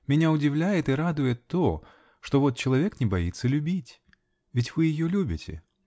Меня удивляет и радует то, что вот человек не боится любить. Ведь вы ее любите?